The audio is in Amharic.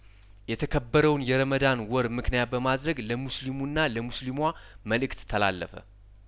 የተከበረውን የረመዳን ወርምክንያት በማድረግ ለሙስሊሙና ለሙስሊሟ መልእክት ተላለፈ